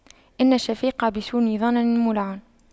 إن الشفيق بسوء ظن مولع